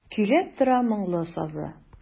Көйләп тора моңлы сазы.